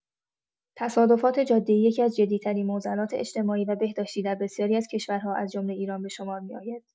تصادفات جاده‌ای یکی‌از جدی‌ترین معضلات اجتماعی و بهداشتی در بسیاری از کشورها، از جمله ایران، به شمار می‌آید.